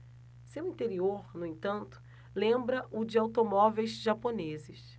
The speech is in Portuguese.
seu interior no entanto lembra o de automóveis japoneses